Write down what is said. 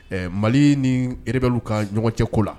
Ɛɛ mali ni ere bɛ' ka ɲɔgɔn cɛ ko la